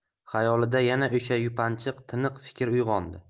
xayolida yana o'sha yupanchiq tiniq fikr uyg'ondi